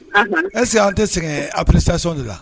Est ce que an tɛ sɛgɛn appréciation de